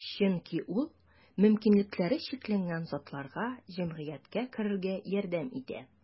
Чөнки ул мөмкинлекләре чикләнгән затларга җәмгыятькә керергә ярдәм итә.